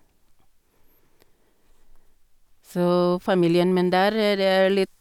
Så familien min der er litt...